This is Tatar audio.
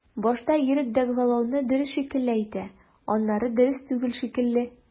Башта ирек дәгъвалауны дөрес шикелле әйтә, аннары дөрес түгел шикелле.